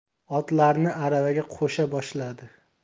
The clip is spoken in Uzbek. otlarini aravaga qo'sha boshladi